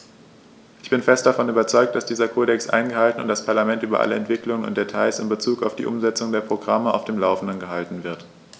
Ich bin fest davon überzeugt, dass dieser Kodex eingehalten und das Parlament über alle Entwicklungen und Details in bezug auf die Umsetzung der Programme auf dem laufenden gehalten wird.